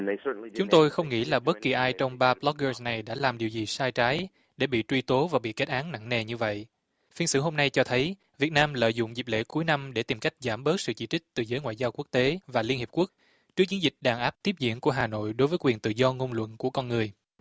chúng tôi không nghĩ là bất kỳ ai trong ba b loóc gơ này đã làm điều gì sai trái để bị truy tố và bị kết án nặng nề như vậy phiên xử hôm nay cho thấy việt nam lợi dụng dịp lễ cuối năm để tìm cách giảm bớt sự chỉ trích từ giới ngoại giao quốc tế và liên hiệp quốc trước chiến dịch đàn áp tiếp diễn của hà nội đối với quyền tự do ngôn luận của con người